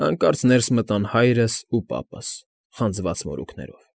Հանկարծ ներս մտան հայրս ու պապս՝ խանձված մորուքներով։